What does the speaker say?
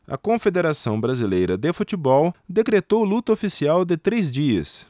a confederação brasileira de futebol decretou luto oficial de três dias